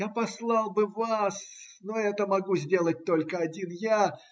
Я послал бы вас, но это могу сделать только один я.